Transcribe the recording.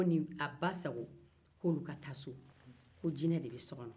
a k'o ni basago ka taa so